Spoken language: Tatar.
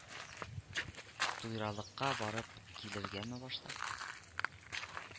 Туйралыкка барып килергәме башта